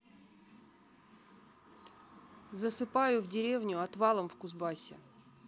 засыпаю в деревню отвалом в кузбассе